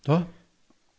Do?